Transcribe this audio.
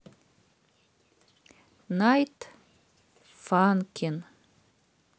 найт фанкин